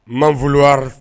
m'en vouloir